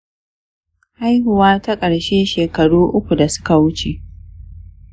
haihuwata ta ƙarshe shekaru uku da suka wuce.